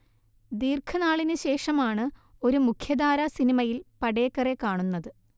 ദീർഘനാളിന്ശേഷമാണ് ഒരു മുഖ്യധാര സിനിമയിൽ പടേക്കറെ കാണുന്നത്